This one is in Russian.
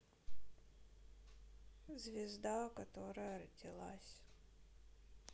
звезда родилась родилась